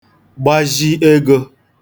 gbazhi egō